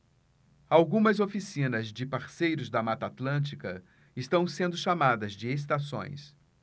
algumas oficinas de parceiros da mata atlântica estão sendo chamadas de estações